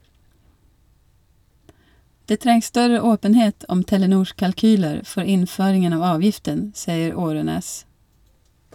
- Det trengs større åpenhet om Telenors kalkyler for innføringen av avgiften, sier Aarønæs.